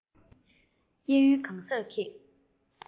གཡས གཡོན གང སར ཁེངས